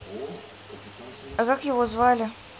а как его звали